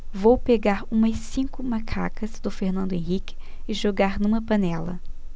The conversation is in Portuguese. vou pegar umas cinco macacas do fernando henrique e jogar numa panela